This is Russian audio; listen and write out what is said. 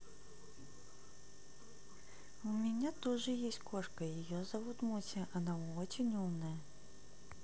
у меня тоже есть кошка ее зовут муся она очень умная